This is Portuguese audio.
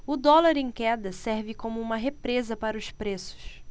o dólar em queda serve como uma represa para os preços